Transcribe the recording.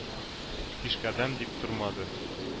Пишкадәм дип тормады.